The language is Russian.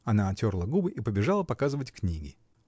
Она отерла губы и побежала показывать книги.